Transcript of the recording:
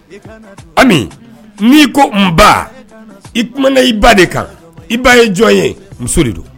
N' ko n ba i kuma i ba de kan i ba ye jɔn ye muso de don